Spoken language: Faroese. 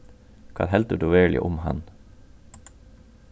hvat heldur tú veruliga um hann